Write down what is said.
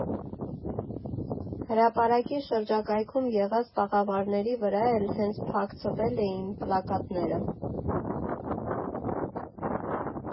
Հրապարակի շրջակայքում եղած տաղավարների վրա էլ հենց փակցվել էին պլակատները։